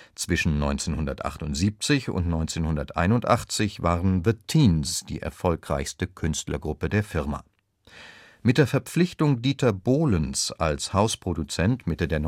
Zwischen 1978 und 1981 waren The Teens die erfolgreichste Künstlergruppe der Firma. Mit der Verpflichtung Dieter Bohlens als Hausproduzent Mitte der